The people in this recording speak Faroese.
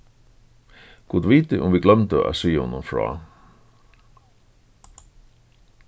gud viti um vit gloymdu at siga honum frá